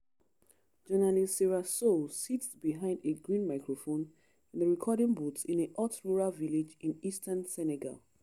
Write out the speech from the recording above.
Journalist Sira Sow sits behind a green microphone in a recording booth in a hot rural village in eastern Senegal.